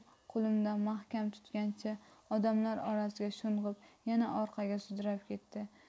qo'limdan mahkam tutgancha odamlar orasiga sho'ng'ib yana orqaga sudrab ketdi